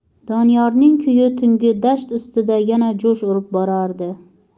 doniyorning kuyi tungi dasht ustida yana jo'sh urib borardi